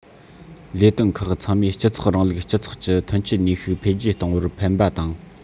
ལས དོན ཁག ཚང མས སྤྱི ཚོགས རིང ལུགས སྤྱི ཚོགས ཀྱི ཐོན སྐྱེད ནུས ཤུགས འཕེལ རྒྱས གཏོང བར ཕེན པ དང